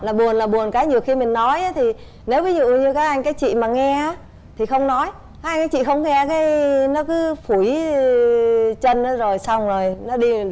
là buồn là buồn cái nhiều khi mừn nói ý thì nếu ví dụ như các anh các chị mà nghe á thì không nói các anh các chị không nghe cái nó cứ phủi chân nó rồi xong rồi nó đi